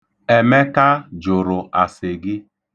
Emeka jụrụ ase gị.